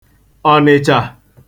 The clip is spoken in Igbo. Ọ̀nị̀chà